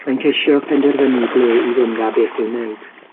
Mae'n ceisio penderfynu ble i fynd â beth i'w wneud.